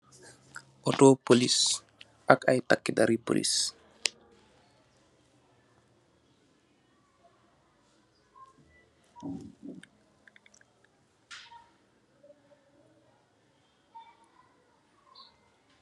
Otto polis ak ay takka dèryi polis .